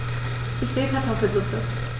Ich will Kartoffelsuppe.